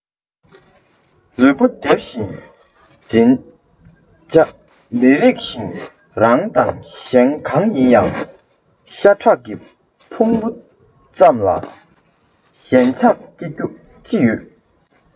ལུས པོ འདིར ཞེན འཛིན བྱ མི རིགས ཤིང རང དང གཞན གང ཡིན ཡང ཤ ཁྲག གི ཕུང པོ ཙམ ལ ཞེན ཆགས སྐྱེ རྒྱུ ཅི ཡོད